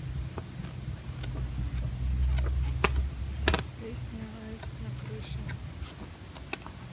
песня аист на крыше